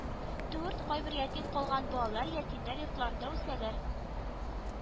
Дүрт кайбер ятим калган балалар ятимнәр йортларында үсәләр